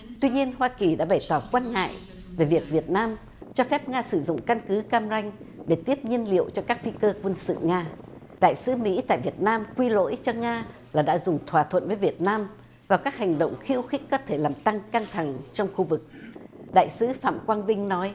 tuy nhiên hoa kỳ đã bày tỏ quan ngại về việc việt nam cho phép nga sử dụng căn cứ cam ranh để tiếp nhiên liệu cho các phi cơ quân sự nga đại sứ mỹ tại việt nam quy lỗi cho nga là đã dùng thỏa thuận với việt nam và các hành động khiêu khích có thể làm tăng căng thẳng trong khu vực đại sứ phạm quang vinh nói